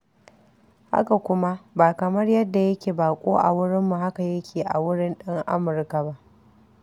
Haka kuma, ba kamar yadda yake baƙo a wurinmu haka yake a wurin ɗan Amurka ba.